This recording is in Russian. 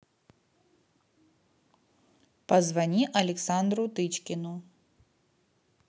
позвони александру тычкину